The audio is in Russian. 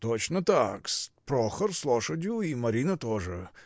— Точно так-с, Прохор с лошадью, и Марина тоже.